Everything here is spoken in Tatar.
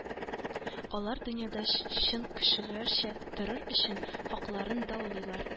Алар дөньяда чын кешеләрчә торыр өчен хакларын даулыйлар